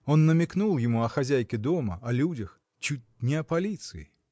Он намекнул ему о хозяйке дома, о людях. чуть не о полиции.